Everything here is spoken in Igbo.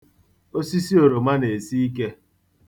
Osisi oroma na-esi ike.